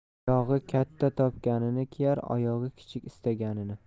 oyog'i katta topganini kiyar oyog'i kichik istaganini